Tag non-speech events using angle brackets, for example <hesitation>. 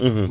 <hesitation> <hesitation>